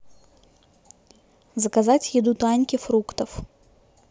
заказать еду таньке фруктов